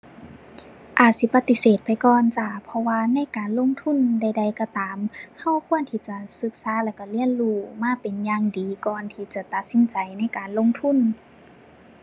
อาจสิปฏิเสธไปก่อนจ้า เพราะว่าในการลงทุนใดใดก็ตาม ก็ควรที่จะศึกษาแล้วก็เรียนรู้มาเป็นอย่างดีก่อนที่จะตัดสินใจในการลงทุน